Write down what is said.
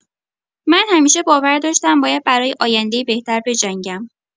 اما من همیشه باور داشتم باید برای آینده‌ای بهتر بجنگم.